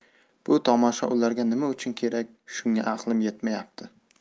bu tomosha ularga nima uchun kerak shunga aqlim yetmayapti